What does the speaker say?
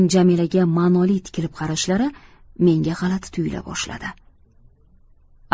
jamilaga ma'noli tikilib qarashlari menga g'alati tuyula boshladi